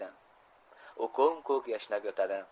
u ko'm ko'k yashnab yotadi